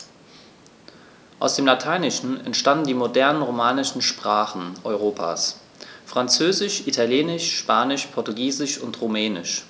Aus dem Lateinischen entstanden die modernen „romanischen“ Sprachen Europas: Französisch, Italienisch, Spanisch, Portugiesisch und Rumänisch.